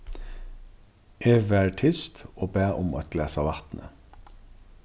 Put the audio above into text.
eg var tyst og bað um eitt glas av vatni